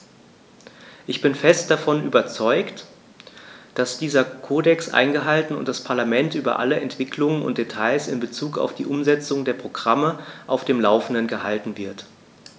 Ich bin fest davon überzeugt, dass dieser Kodex eingehalten und das Parlament über alle Entwicklungen und Details in bezug auf die Umsetzung der Programme auf dem laufenden gehalten wird.